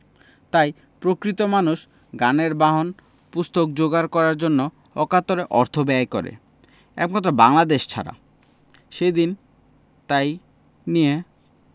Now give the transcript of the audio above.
তাই প্রকৃত মানুষ জ্ঞানের বাহন পুস্তক যোগাড় করার জন্য অকাতরে অর্থ ব্যয় করে একমাত্র বাঙলা দেশ ছাড়া সেদিন তাই নিয়ে